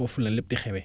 foofu la lépp di xewee